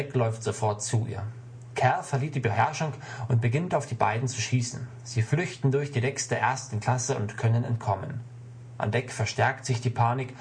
läuft sofort zu ihr. Cal verliert die Beherrschung und beginnt, auf die beiden zu schießen. Sie flüchten durch die Decks der ersten Klasse und können entkommen. An Deck verstärkt sich die Panik